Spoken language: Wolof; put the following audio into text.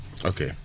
ok